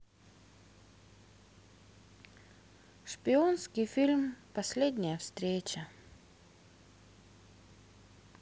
шпионский фильм последняя встреча